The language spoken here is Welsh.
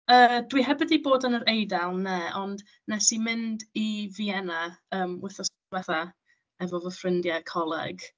Yy. Dwi heb wedi bod yn yr Eidal, na, ond wnes i mynd i Fiena yym, wythnos diwetha efo fy ffrindiau coleg.